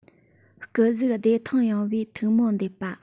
སྐུ གཟུགས བདེ ཐང ཡོང བའི ཐུགས སྨོན འདེབས པ